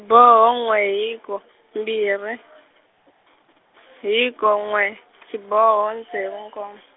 -boho n'we hiko , mbirhi, hiko n'we, xiboho ntsevu nkomb-.